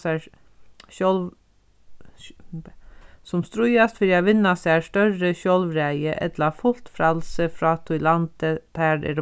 sær sjálv sum stríðast fyri at vinna sær størri sjálvræði ella fult frælsi frá tí landi tær eru